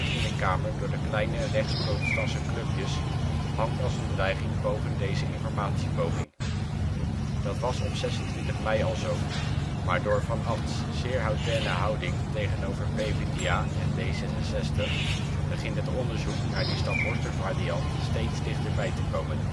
in de Kamer door de kleine rechts-protestantse clubjes, hangt als een dreiging boven deze informatiepoging. Dat was op 26 mei al zo, maar door Van Agts zeer hautaine houding tegenover PvdA en D’ 66 begint het onderzoek naar die Staphorster variant steeds dichterbij te komen